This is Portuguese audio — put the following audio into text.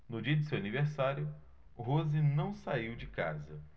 no dia de seu aniversário rose não saiu de casa